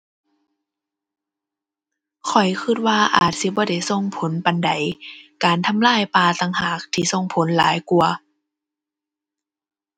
ข้อยคิดว่าอาจสิบ่ได้ส่งผลปานใด การทำลายป่าต่างหากที่ส่งผลหลายกว่า